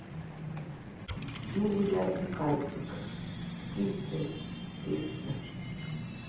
юлия михальчик птицы песня